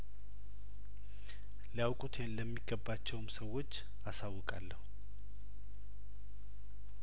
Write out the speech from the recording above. ሊያውቁት ለሚ ገባቸውም ሰዎች አሳውቃለሁ